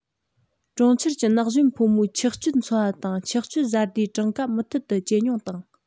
གྲོང ཁྱེར གྱི ན གཞོན ཕོ མོའི ཆགས སྤྱོད འཚོ བ དང ཆགས སྤྱོད བཟའ ཟླའི གྲངས ཀ མུ མཐུད དུ ཇེ ཉུང དང